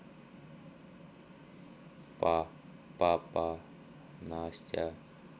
па папа настя